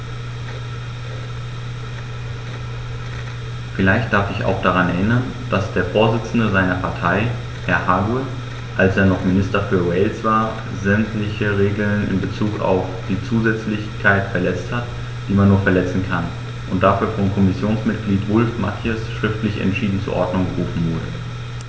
Vielleicht darf ich ihn auch daran erinnern, dass der Vorsitzende seiner Partei, Herr Hague, als er noch Minister für Wales war, sämtliche Regeln in bezug auf die Zusätzlichkeit verletzt hat, die man nur verletzen kann, und dafür von Kommissionsmitglied Wulf-Mathies schriftlich entschieden zur Ordnung gerufen wurde.